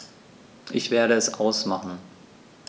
Ich werde es ausmachen